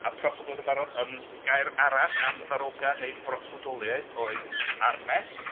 ..A proffwydoliaeth yn barod. Ond gair arall am ddarogan neu broffwydoliaeth oedd armes.